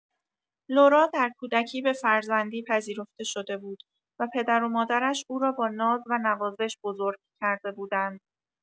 لورا در کودکی به فرزندی پذیرفته شده بود و پدرو مادرش او را با ناز و نوازش بزرگ کرده بودند.